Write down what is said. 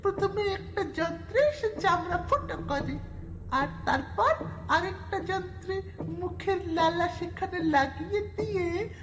প্রথমে একটা যন্ত্রে সে চামড়া ফুটো করে আর তারপর আরেকটা যন্ত্রে মুখে লালা সেখানে লাগিয়ে দিয়ে